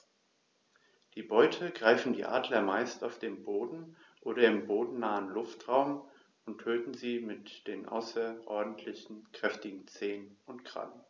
Die Beute greifen die Adler meist auf dem Boden oder im bodennahen Luftraum und töten sie mit den außerordentlich kräftigen Zehen und Krallen.